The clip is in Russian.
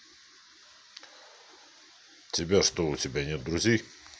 тебя что у тебя нет друзей